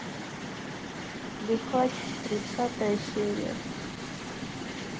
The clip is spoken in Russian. лихач тринадцатая серия